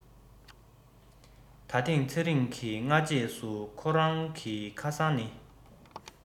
ད ཐེངས ཚེ རིང གིས སྔ རྗེས སུ ཁོ རང གི ཁ སང ནས